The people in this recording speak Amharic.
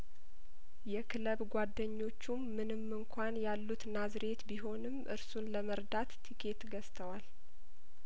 የክለብ ጓደኞቹም ምንም እንኳን ያሉት ናዝሬት ቢሆንም እርሱን ለመርዳት ትኬት ገዝተዋል